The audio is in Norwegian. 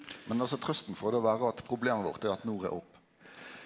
men altså trøysta får då vere at problemet vårt er at nord er opp.